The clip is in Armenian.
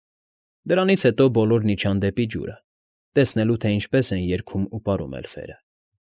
Դրանից հետո բոլորն իջան դեպի ջուրը, տեսնելու, թե ինչպես են երգում ու պարում էլֆերը։